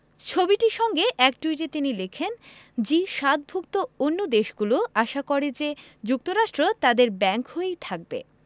ছবিটির সঙ্গে এক টুইটে তিনি লেখেন জি ৭ ভুক্ত অন্য দেশগুলো আশা করে যে যুক্তরাষ্ট্র তাদের ব্যাংক হয়েই থাকবে